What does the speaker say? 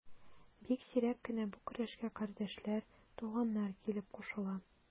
Бик сирәк кенә бу көрәшкә кардәшләр, туганнар килеп кушыла.